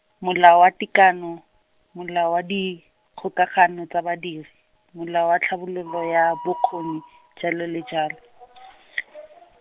Molao wa Tekano, Molao wa Dikgokagano tsa badiri, Molao wa Tlhabololo ya bokgoni, jalo le jalo .